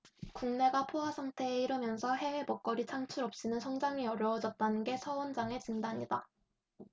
국내가 포화상태에 이르면서 해외 먹거리 창출 없이는 성장이 어려워졌다는 게 서 원장의 진단이다